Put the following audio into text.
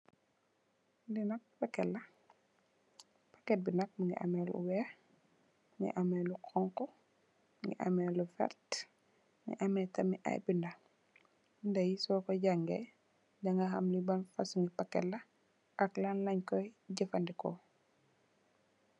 Li nak paket la, paket bi mugii ameh lu wèèx, mugii ameh lu xonxu, mugii ameh lu werta , mugii ameh tamit ay bindé. Bindé yi so ko jangèè di xam li ban fasungi paket la ak lan lañ koy jafandiko.